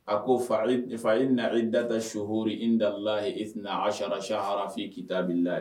A k'o fa fa eina ale data so h in dalilayi i tɛnaina aharasiharafiye k'ita' layi